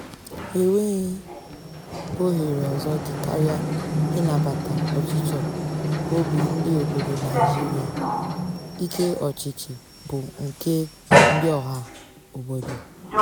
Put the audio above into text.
E nweghị ohere ọzọ dị karịa ịnabata ọchịchọ obi ndị obodo Naijiria, ike ọchịchị bụ nke ndị ọha obodo.